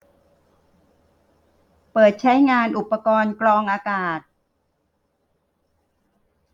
เปิดใช้งานอุปกรณ์กรองอากาศ